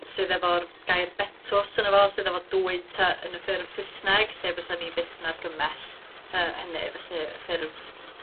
sydd efo'r gair betws yno fo, sydd efo dwy ty yn y ffurf Sysneg, lle fysan ni byth yn argymell yy hynny, felly y ffurf